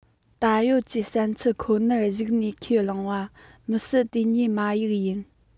ད ཡོད ཀྱི བསམ ཚུལ ཁོ ནར གཞིགས ནས ཁས བླངས པ མི སྲིད དེ གཉིས མ ཡིག ཡིན